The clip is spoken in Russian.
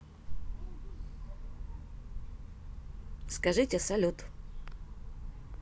скажите салют